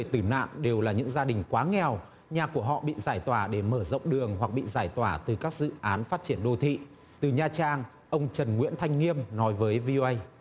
tử nạn đều là những gia đình quá nghèo nhà của họ bị giải tỏa để mở rộng đường hoặc bị giải tỏa từ các dự án phát triển đô thị từ nha trang ông trần nguyễn thanh liêm nói với vi ô ây